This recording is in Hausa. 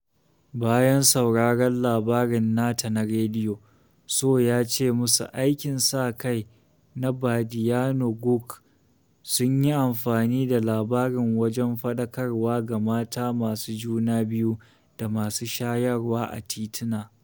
Bayan sauraron labarin nata na rediyo, Sow ya ce masu aikin sa-kai na Badianou Guokh sun yi amfani da labarin wajen faɗakarwa ga mata masu juna biyu da masu shayarwa a tituna.